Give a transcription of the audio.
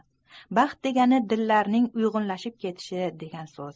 baxt degani dillarning uyg'unlashib ketishi degan so'z